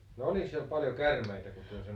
no olikos siellä paljon käärmeitä kun te sanoitte